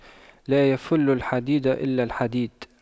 لا يَفُلُّ الحديد إلا الحديد